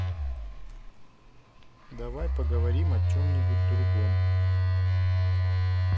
давай поговорим о чем нибудь другом